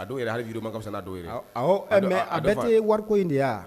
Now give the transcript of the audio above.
A dɔw ye a ji juruurumamasasa dɔw ye mɛ a dɔn tɛ wariko in de wa